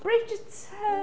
Bridgeton!